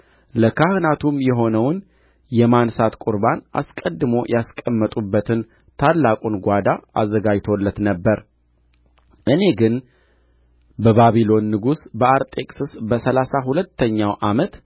ለካህናቱም የሆነውን የማንሣት ቍርባን አስቀድሞ ያስቀመጡበትን ታላቁን ጓዳ አዘጋጅቶለት ነበር እኔ ግን በባቢሎን ንጉሥ በአርጤክስስ በሠላሳ ሁለተኛው ዓመት